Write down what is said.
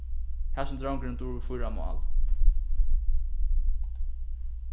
hasin drongurin dugir fýra mál